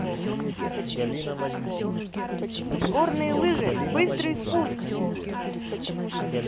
горные лыжи быстрый спуск